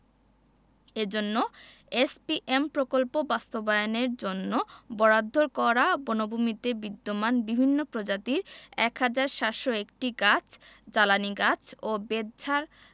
এজন্য এসপিএম প্রকল্প বাস্তবায়নের জন্য বরাদ্দ করা বনভূমিতে বিদ্যমান বিভিন্ন প্রজাতির ১ হাজার ৭০১টি গাছ জ্বালানি গাছ ও বেতঝাড়